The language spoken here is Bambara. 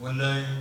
Wa'a